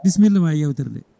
bisimilla ma e yewtere nde